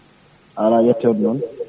a ala yettode noon